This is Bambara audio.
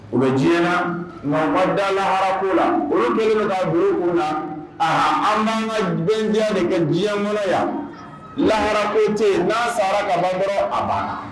O bɛ diɲɛ na nka da laharako la olu bɛɛ ka bolo u na aa an' an ka bɛn diya de ka diɲɛkɔrɔ yan lahara kote n' sara kakɔrɔ a banna